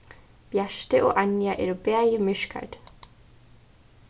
bjarti og anja eru bæði myrkhærd